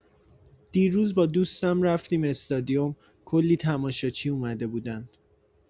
دیروز با دوستم رفتیم استادیوم، کلی تماشاچی اومده بودن!